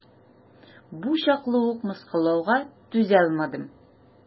Бу чаклы ук мыскыллауга түзалмадым.